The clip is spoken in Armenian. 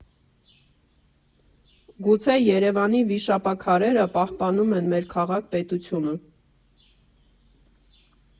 Գուցե Երևանի վիշապաքարերը պահպանում են մեր քաղաք֊պետությունը։